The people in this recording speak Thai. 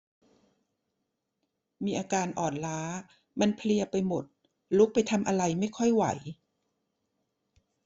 มีอาการอ่อนล้ามันเพลียไปหมดลุกไปทำอะไรไม่ค่อยไหว